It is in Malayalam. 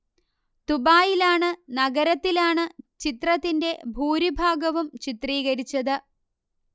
ദുബായിലാണ് നഗരത്തിലാണ് ചിത്രത്തിന്റെ ഭൂരിഭാഗവും ചിത്രീകരിച്ചത്